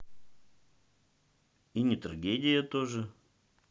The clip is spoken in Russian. и не трагедия тоже